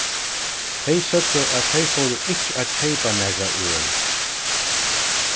tey søgdu at tey fóru ikki at keypa nakra øl